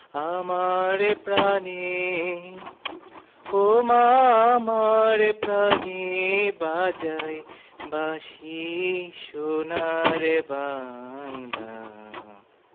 আমার প্রাণে ওমা আমার প্রানে বাজায় বাঁশি সোনার বাংলা